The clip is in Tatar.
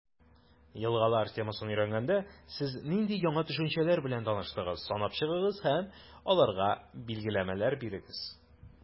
«елгалар» темасын өйрәнгәндә, сез нинди яңа төшенчәләр белән таныштыгыз, санап чыгыгыз һәм аларга билгеләмәләр бирегез.